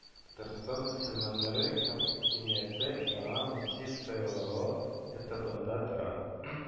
Татарстан мөселманнары һәм хакимияте яңа мөфти сайлауы этабында тора